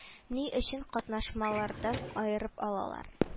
Ни өчен катнашмалардан аерып алалар